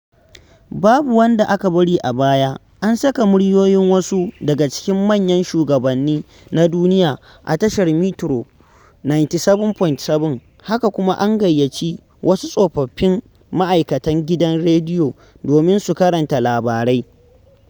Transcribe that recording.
Babu wanda aka bari a baya. An saka muryoyin wasu daga cikin manyan shugabanni na duniya a tashar Metro 97.7. Haka kuma an gayyaci wasu tsofaffin ma'aikatan gidan rediyo domin su karanta labarai.